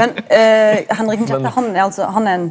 men Henrik den sjette han er altså han er ein